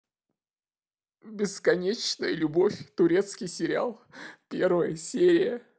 бесконечная любовь турецкий сериал первая серия